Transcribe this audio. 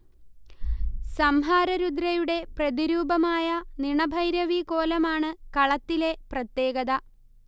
സംഹാര രുദ്രയുടെ പ്രതിരൂപമായ നിണഭൈരവി കോലമാണ് കളത്തിലെ പ്രത്യേകത